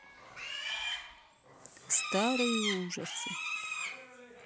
старые ужасы